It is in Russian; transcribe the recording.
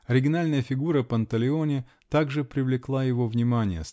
Оригинальная фигура Панталеоне также привлекла его внимание.